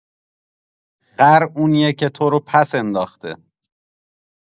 خر اونیه که تو رو پس‌انداخته